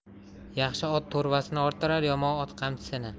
yaxshi ot to'rvasini orttirar yomon ot qamchisini